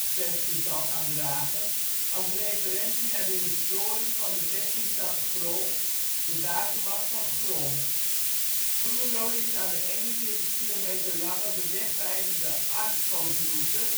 Veste zal gaan dragen, als referentie naar de historie van de vestingstad Grol, de bakermat van Grolsch. Groenlo ligt aan de 41 km lange bewegwijzerde Arfgoodroute